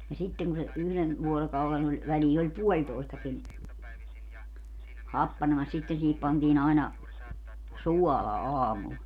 ja sitten kun se yhden vuorokauden oli väliin oli puolitoistakin happanemassa sitten siihen pantiin aina suolaa aamulla